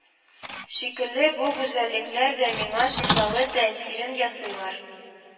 Шикелле, бу гүзәллекләр дә миңа шифалы тәэсирен ясыйлар,